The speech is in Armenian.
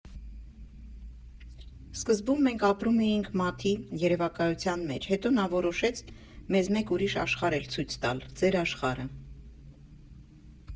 Սկզբում մենք ապրում էինք Մաթի երևակայության մեջ, հետո նա որոշեց մեզ մեկ ուրիշ աշխարհ էլ ցույց տալ՝ ձերաշխարհը։